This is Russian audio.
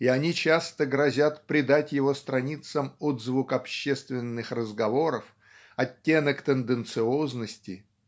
и они часто грозят придать его страницам отзвук общественных разговоров оттенок тенденциозности